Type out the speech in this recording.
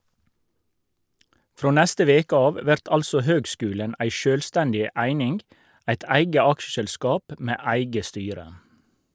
Frå neste veke av vert altså høgskulen ei sjølvstendig eining, eit eige aksjeselskap med eige styre.